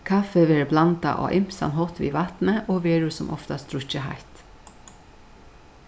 kaffi verður blandað á ymsan hátt við vatni og verður sum oftast drukkið heitt